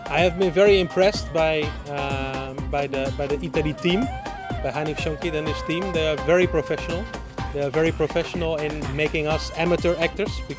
I have been very impressed by by the Ityadi' team Hanif Sanket's team they are very professional making us amateur actors